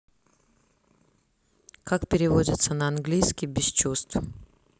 как переводится на английский без чувств